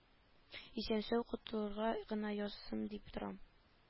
Исән-сау котылырга гына язсын дип торам